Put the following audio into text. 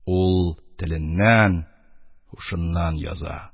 Ул теленнән, һушыннан яза.